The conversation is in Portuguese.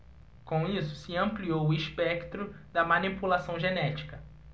com isso se ampliou o espectro da manipulação genética